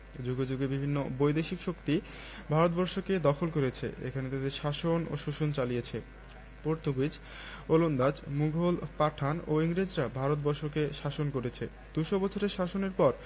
যুগে যুগে বিভিন্ন বৈদেশিক শক্তি ভারতবর্ষকে দখল করেছে এখানে তাদের শাসন ও শোষণ চালিছে পর্তুগিজ ওলন্দাজ মুঘল পাঠান ও ইংরেজরা ভারত বর্ষকে শাসন করেছে দু'শ বছরের শাসনের পর